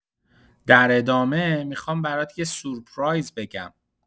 در ادامه، می‌خوام برات یه سورپرایز بگم.